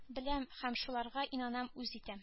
Беләм һәм шуларга инанам үз итәм